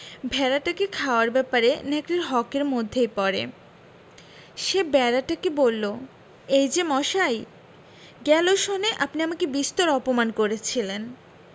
ভেড়াটাকে খাওয়ার ব্যাপারে নেকড়ের হক এর মধ্যেই পড়ে সে বেড়াটাকে বলল এই যে মশাই গেল সনে আপনি আমাকে বিস্তর অপমান করেছিলেন